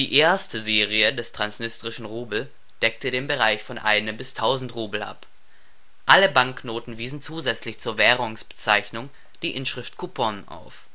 erste Serie des Transnistrischen Rubel deckte den Bereich von 1 bis 1000 Rubel ab. Alle Banknoten wiesen zusätzlich zur Währungsbezeichnung die Inschrift „ Купон “(Kupon) auf